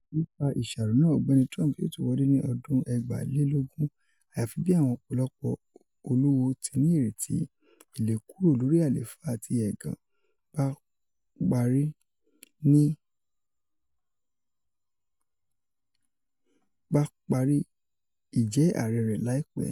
Nipa iṣaro naa, Ọgbẹni Trump yoo tun wọle ni 2020 ayafi, bi awọn ọpọlọpọ oluwo ti ni ireti, ile kúrò lori alefa ati ẹgan ba parinijẹ arẹ rẹ laipe.